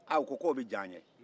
a u ko ko a bɛ diya an ye